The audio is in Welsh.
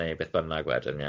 Ne' beth bynnag wedyn, ie?